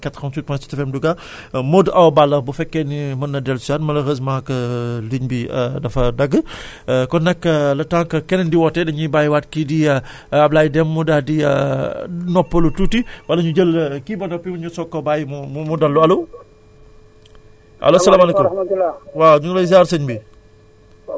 donc 33 967 43 00 fii ci 88 point 7 Louga Modou Awa Balla bu fekkee ni mën na dellusiwaat malheureusement que ligne bi dafa dagg kon nag le temps que keneen di woote dañuy bàyyiwaat kii di Ablaye Deme mu dal di noppalu tuuti wala ñu jël kii ba noppi mu ñu soog koo bàyyi mu mu dal lu allo